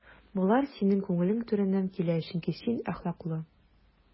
Болар синең күңел түреннән килә, чөнки син әхлаклы.